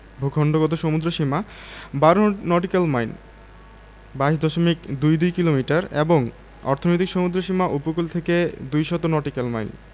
ভূখন্ডগত সমুদ্রসীমা ১২ nautical mile ২২ দশমিক দুই দুই কিলোমিটার এবং অর্থনৈতিক সমুদ্রসীমা উপকূল থেকে ২০০ নটিক্যাল মাইল